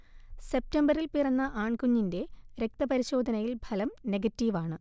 സെപ്റ്റംബറിൽ പിറന്ന ആൺകുഞ്ഞിന്റെ രക്തപരിശോധനയിൽ ഫലം നെഗറ്റീവ് ആണ്